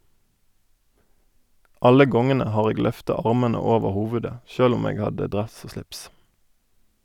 Alle gongene har eg løfta armane over hovudet, sjølv om eg hadde dress og slips.